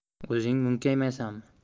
o'zing munkaymaysanmi